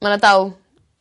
Ma' 'na dal